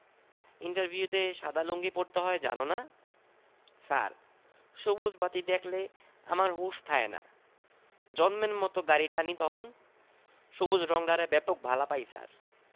ইন্টারভিউতে সাদা লুঙ্গি পড়তে হয় জানো না ছার সবুজ বাতি দ্যাখলে আমার হুশ থাহেনা জম্মের মত গাড়ি টানি তহন সবুজ রংডারে ব্যাপক ভালা পাই ছার